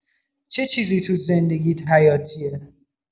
چه چیزی تو زندگیت حیاتیه؟